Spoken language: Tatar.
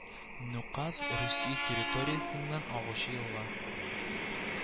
Нукат Русия территориясеннән агучы елга